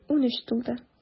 Унөч тулды.